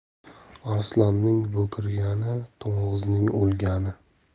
arslonning bo'kirgani to'ng'izning o'lgani